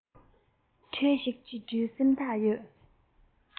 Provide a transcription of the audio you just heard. འགྲོ སྡོད བྱེད ཚུལ